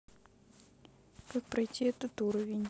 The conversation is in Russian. как пройти этот уровень